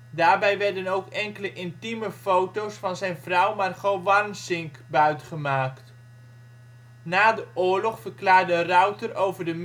Daarbij werden ook enkele intieme foto 's van zijn vrouw Margot Warnsinck buitgemaakt. Na de oorlog verklaarde Rauter over de